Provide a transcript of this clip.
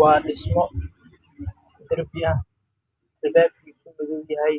waa dabaq qurux badan oo ay